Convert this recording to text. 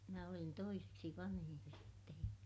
minä olin toiseksi vanhin jo sitten ja